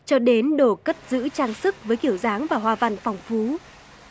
cho đến đồ cất giữ trang sức với kiểu dáng và hoa văn phong phú